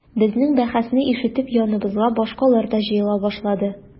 Безнең бәхәсне ишетеп яныбызга башкалар да җыела башлады.